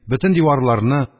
Бөтен диварларны,